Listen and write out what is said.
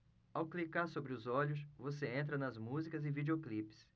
ao clicar sobre os olhos você entra nas músicas e videoclipes